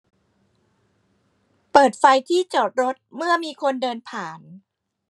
เปิดไฟที่จอดรถเมื่อมีคนเดินผ่าน